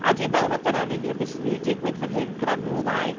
A dwi'n meddwl ma' dyna'n union beth sy'n mynd i digwydd fan hyn gyda nhw ddau.